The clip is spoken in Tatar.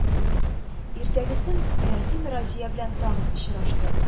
Иртәгесен Рәхим Разия белән тагын очрашты